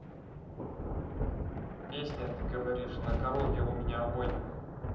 песня ты горишь ка коровье у меня агонь